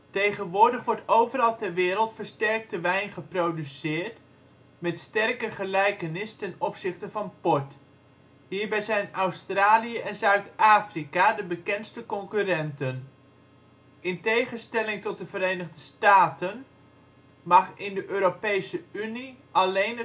Tegenwoordig wordt overal ter wereld versterkte wijn geproduceerd met sterke gelijkenis ten opzichte van port. Hierbij zijn Australië en Zuid-Afrika de bekendste concurrenten. In tegenstelling tot de Verenigde Staten mag in de Europese Unie alleen